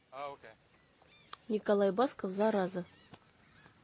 николай басков зараза